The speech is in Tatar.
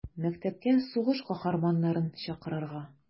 Мәктәпкә сугыш каһарманнарын чакырырга.